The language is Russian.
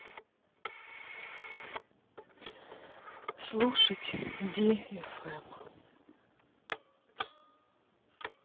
слушать ди фм